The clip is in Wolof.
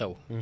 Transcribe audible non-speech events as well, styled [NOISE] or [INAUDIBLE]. [HESITATION] [HESITATION]